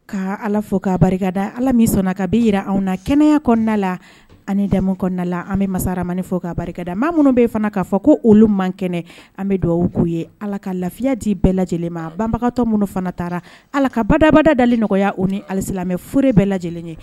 Ka ala fo ka barikada ala min sɔn ka bɛ jira an na kɛnɛya kɔnɔna la ani dɛmɛmu kɔnɔnala an bɛ masaramani fɔ ka barikada maa minnu bɛ fana k'a fɔ ko olu man kɛnɛ an bɛ dugawubabu'u ye ala ka lafiya di bɛɛ lajɛlen ma banbagatɔ minnu fana taara ala ka badabada dali nɔgɔyaya u ni alisi mɛ fur bɛɛ lajɛlen ye